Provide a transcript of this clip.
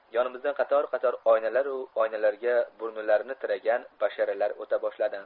yonimizdan qator qator oynalaru oynalarga burnilarini tiragan basharalar o'ta boshladi